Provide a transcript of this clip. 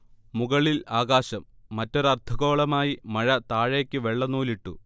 മുകളിൽ ആകാശം, മറ്റൊരർദ്ധഗോളമായി മഴ താഴേക്ക് വെള്ളനൂലിട്ടു